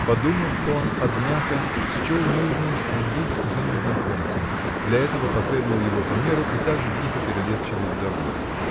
Подумав, он, однако, счел нужным следить за незнакомцем: для этого последовал его примеру и также тихо перелез через забор.